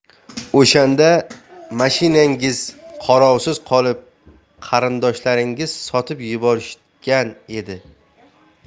o'shanda mashinangiz qarovsiz qolib qarindoshlaringiz sotib yuborishgan edi